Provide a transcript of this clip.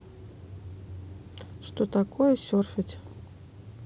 что такое серфить